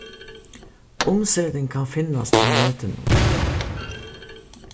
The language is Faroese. umseting kann finnast á netinum